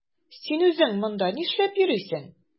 Син үзең монда нишләп йөрисең?